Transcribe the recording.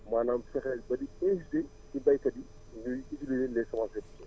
maanaam fexeel ba di invité ci béykat yi énuy utiliser les semences certifiées